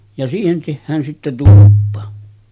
ja siihen tehdään sitten tulppa